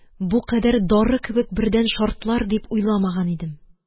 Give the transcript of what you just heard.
Бу кадәр дары кебек бердән шартлар дип уйламаган идем.